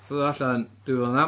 Wnaeth o ddod allan dwy fil a naw.